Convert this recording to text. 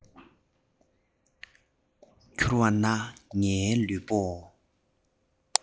གྱུར བ ན ངའི ལུས པོ